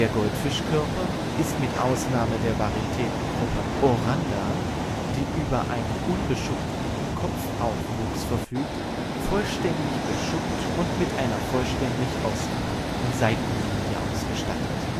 Goldfischkörper ist – mit Ausnahme der Varietätengruppe „ Oranda “, die über einen unbeschuppten Kopfaufwuchs verfügt – vollständig beschuppt und mit einer vollständig ausgeprägten Seitenlinie ausgestattet